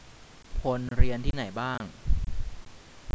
พลเรียนที่ไหนบ้าง